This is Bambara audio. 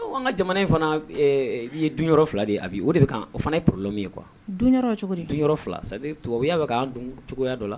Ne ko an ŋa jamana in fana b ɛɛ i ye dun yɔrɔ 2 de ye Habi o de be k'an o fana ye problème ye quoi dunyɔrɔ cogodi dunyɔrɔ 2 c'est à dire tubabuya be k'an dun cogoya dɔ la